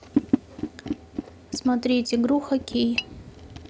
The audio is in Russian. смотреть игру хоккей